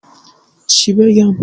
چی بگم